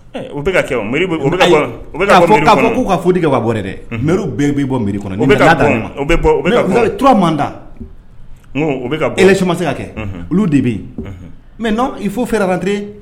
Kɛ' k'u ka foyi ka bɔ bɔ dɛ bɛɛ bɛ bɔ miri kɔnɔura manda bɛsima se ka kɛ olu de bɛ yen mɛ n i fo fɛt